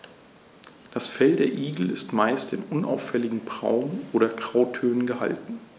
Das Fell der Igel ist meist in unauffälligen Braun- oder Grautönen gehalten.